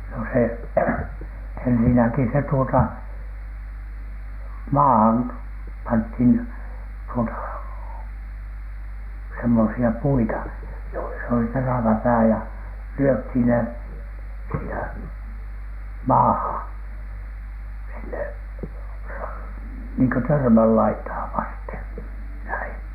no se ensinnäkin se tuota maahan pantiin tuota semmoisia puita joissa oli terävä pää ja lyötiin ne siinä maahan sinne - niin kuin törmänlaitaa vasten näin